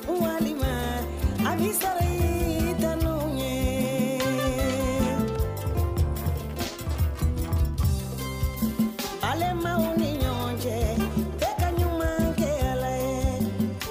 A' sara ye den ye ale ma ni ɲɔgɔn cɛ ne ka ni ɲuman kɛ ala ye